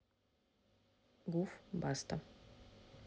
гуф баста